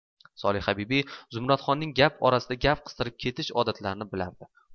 solihabibi zumradxonning gap orasida gap qistirib ketish odatlarini bilardi